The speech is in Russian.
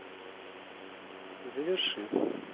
заверши